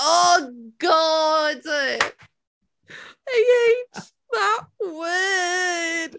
Oh God! I hate that word!